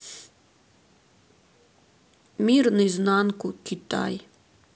мир наизнанку китай